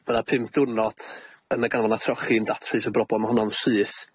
Fydda' pump dwrnod yn y ganolfan trochi yn datrys y broblam honno'n syth.